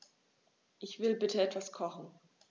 Ich will bitte etwas kochen.